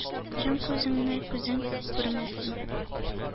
Йом күзеңне, күзең күрмәсен!